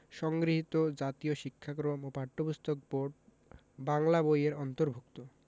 সংগৃহীত জাতীয় শিক্ষাক্রম ও পাঠ্যপুস্তক বোর্ড বাংলা বই এর অন্তর্ভুক্ত